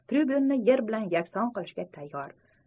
tribyun ni yer bilan yakson qilishga tayyor